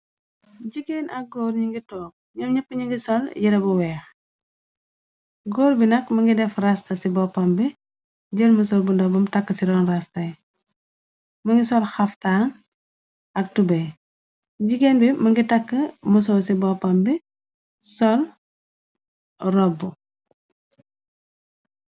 Jigéen ak góor ñu ngi toog ñoom nepp nungi sol yiré bu weeh. Góor bi nak më ngi def rasta ci boppam bi jël mëso bu ndo bum takk ci roon rastay më ngi sol haftaan ak tubey. Jigéen bi më ngi tàkk mëso ci boppam bi sol robbu.